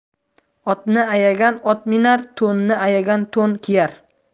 otni ayagan ot minar to'nni ayagan to'n kiyar